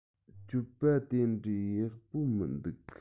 སྤྱོད པ དེ འདྲའི ཡག པོ མི འདུག